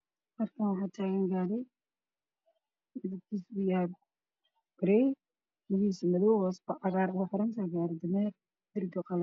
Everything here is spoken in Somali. Halkaan waxaa taagan gaari midabkiisa uu yahay garay lugihiisa madow hoosta cagaar aga xitan tahay gaari dameer